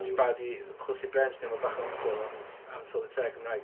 Ti'n barod i chwythu brêns ni efo bach o ymchwil am ff- am tylwyth teg Cymraeg?